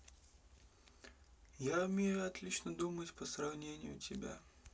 я умею отлично думать по сравнению тебя